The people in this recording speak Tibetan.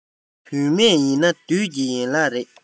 བུད མེད ཡིན ན བདུད ཀྱི ཡན ལག རེད